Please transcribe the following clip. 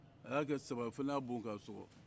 a y'a kɛ saba ye o fana y'a bon k'a sɔgɔ